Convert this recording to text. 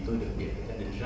đơn